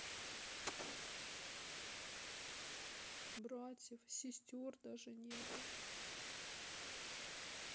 братьев сестер даже нету